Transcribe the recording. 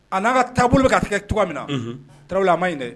A n'a ka taabolo katigɛ cogo min na tarawele a ma ɲi dɛ